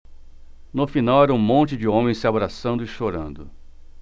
no final era um monte de homens se abraçando e chorando